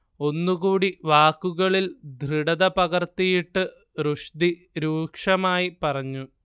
ഒന്നുകൂടി വാക്കുകളിൽ ദൃഢത പകർത്തിയിട്ട് റുഷ്ദി രൂക്ഷമായി പറഞ്ഞു